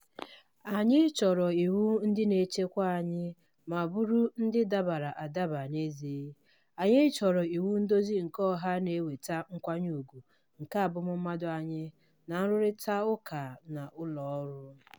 Anyị chọrọ iwu ndị na-echekwa anyị ma bụrụ ndị dabara adaba n'ezie, anyị chọrọ iwunduzi keọha na-eweta nkwanye ugwu nke abụmụmmadụ anyị na nrụrịtaụka na ụlọ ọrụ.